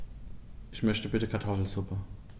Ich möchte bitte Kartoffelsuppe.